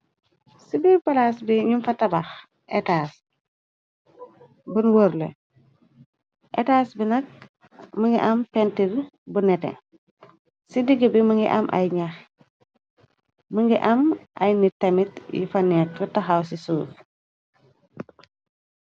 Ci biir palaas bi ñu fa tabax etaas bun wërle. Etaas bi nak më ngi am pentir bu nete , ci digg bi më ngi am ay ñax , më ngi am ay nit tamit yi fa nekk taxaw ci suuf.